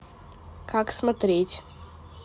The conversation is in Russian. как смотреть